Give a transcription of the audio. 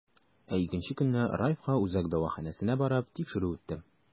Ә икенче көнне, Раевка үзәк дәваханәсенә барып, тикшерү үттем.